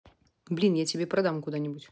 блин я тебе продам куда нибудь